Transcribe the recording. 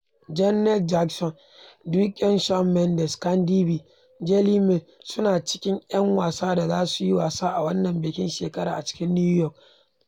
Janet Jackson, the Weeknd, Shawn Mendes, Cardi B, Janelle Monáe suna daga cikin 'yan wasa da za su yi wasa a wannan bikin shekara a cikin New York, wanda Deborra-Lee Furness da Hugh Jackman za su jagoranta.